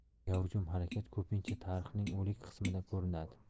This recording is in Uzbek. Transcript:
eng gavjum harakat ko'pincha tarixning o'lik qismida ko'rinadi